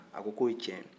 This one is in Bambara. a ko ko o ye tiɲɛ ye